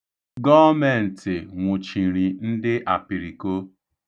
Gọọmentị nwụchiri ndị apiriko.